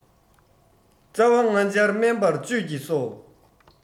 རྩ བ ལྔ སྦྱར སྨན མར བཅུད ཀྱིས གསོ